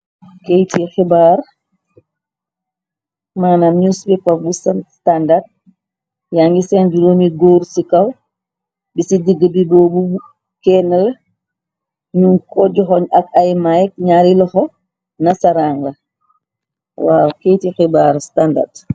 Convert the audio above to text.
Keyti xibaar manam newspeper bu standard ya ngi seen juroomi góor ci kaw bi ci digg bi boo bu kenn la ñu ko joxoñ ak ay myk ñaari loxo na sarang la waa keyti xibaar standard.